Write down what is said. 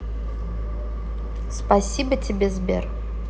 спасибо тебе сбер